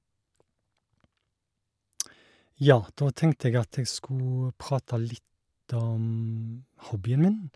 Ja, da tenkte jeg at jeg skulle prate litt om hobbyen min.